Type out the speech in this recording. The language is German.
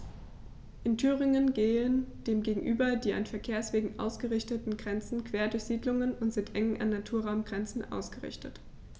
In Thüringen gehen dem gegenüber die an Verkehrswegen ausgerichteten Grenzen quer durch Siedlungen und sind eng an Naturraumgrenzen ausgerichtet.